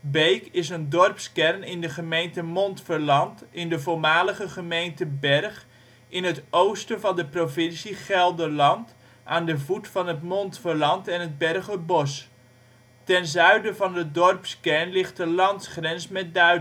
Beek is een dorpskern in de gemeente Montferland (in de voormalige gemeente Bergh) in het oosten van de provincie Gelderland, aan de voet van het Montferland en het Bergherbos. Ten zuiden van de dorpskern ligt de landsgrens met Duitsland. Het